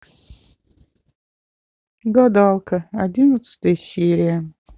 гадалка одиннадцатая серия